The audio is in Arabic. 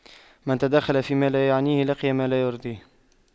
من تَدَخَّلَ فيما لا يعنيه لقي ما لا يرضيه